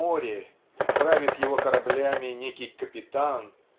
море и правит его кораблями некий Капитан